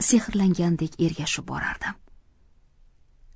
sehrlangandek ergashib borardim